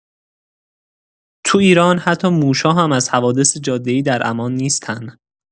توو ایران حتی موش‌ها هم از حوادث جاده‌ای در امان نیستن.